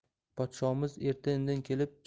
podshomiz erta indin kelib